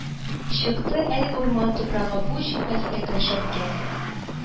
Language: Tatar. Чыкты: әлеге урман туфрагы буй җитмәслек рәшәткә